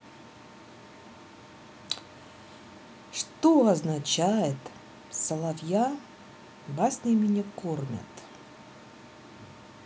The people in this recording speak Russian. что означает соловья баснями не кормят